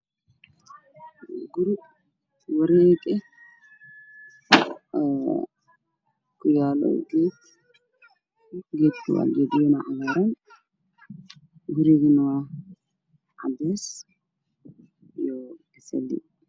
Guri wareeg eh ku yaalo geed oo cagaaran guriguna waa cadays jisandhe